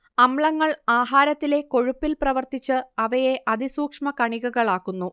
അമ്ലങ്ങൾ ആഹാരത്തിലെ കൊഴുപ്പിൽ പ്രവർത്തിച്ച് അവയെ അതിസൂക്ഷ്മകണികകളാക്കുന്നു